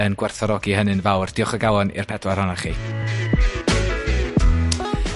yn gwerthfawrogi hynny'n fawr. Diolch o galon i'r pedwar onoch chi.